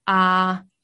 A